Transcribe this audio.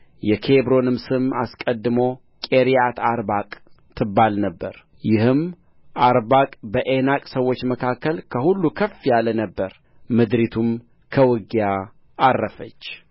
የኬብሮንም ስም አስቀድሞ ቂርያትአርባቅ ትባል ነበር ይህም አርባቅ በዔናቅ ሰዎች መካከል ከሁሉ ከፍ ያለ ነበረ ምድሪቱም ከውጊያ ዐረፈች